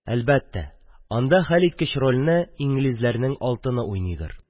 Әлбәттә, анда хәлиткеч рольне инглизләрнең алтыны уйныйдыр.